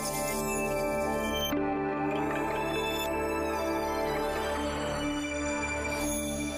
San